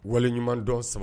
Waleɲuman dɔn sama